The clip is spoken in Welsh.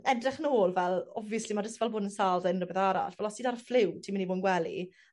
edrych nôl fel obviously ma' jys fel bod yn sâl 'da unryw beth arall fel os ti 'da'r ffliw ti myn' i bo' 'n gwely.